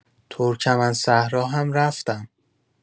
ترکمن‌صحرا هم رفتم.